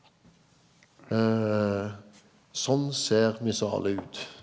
sånn ser Missale ut.